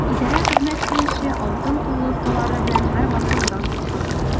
Идарә хезмәт сөюче, алтын куллы осталары белән һәрвакыт дан тоткан.